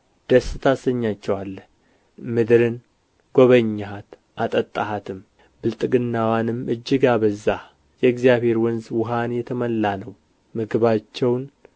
ደስ ታሰኛቸዋለህ ምድርን ጐበኘሃት አጠጣሃትም ብልጥግናዋንም እጅግ አበዛህ የእግዚአብሔርን ወንዝ ውኃን የተመላ ነው ምግባቸውን